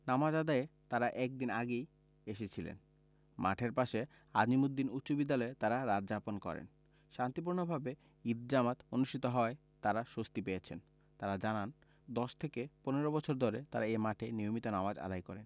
নামাজ আদায়ে তাঁরা এক দিন আগেই এসেছিলেন মাঠের পাশে আজিমুদ্দিন উচ্চবিদ্যালয়ে তাঁরা রাত যাপন করেন শান্তিপূর্ণভাবে ঈদ জামাত অনুষ্ঠিত হওয়ায় তাঁরা স্বস্তি পেয়েছেন তাঁরা জানান প্রায় ১০ থেকে ১৫ বছর ধরে তাঁরা এ মাঠে নিয়মিত নামাজ আদায় করেন